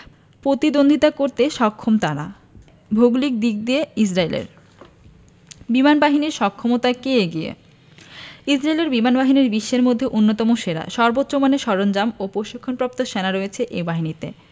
প্রতিদ্বন্দ্বিতা করতে সক্ষম তারা ভৌগোলিক দিক দিয়ে ইসরায়েল বিমানবাহীর সক্ষমতায় কে এগিয়ে ইসরায়েলের বিমানবাহিনী বিশ্বের মধ্যে অন্যতম সেরা সর্বোচ্চ মানের সরঞ্জাম ও প্রশিক্ষণপ্রাপ্ত সেনা রয়েছে এ বাহিনীতে